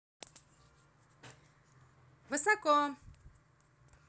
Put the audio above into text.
высоко